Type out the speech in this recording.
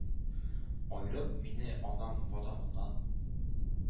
Аерып мине анам-Ватанымнан,